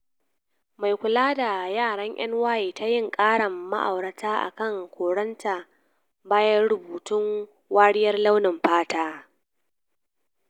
Mai kula da yaran NY tayi karan ma’aurata akan koranta bayan rubutun "wariyar launin fata"